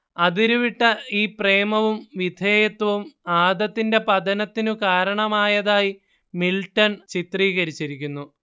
അതിരുവിട്ട ഈ പ്രേമവും വിധേയത്വവും ആദത്തിന്റെ പതനത്തിനു കാരണമായതായി മിൽട്ടൺ ചിത്രീകരിച്ചിരിക്കുന്നു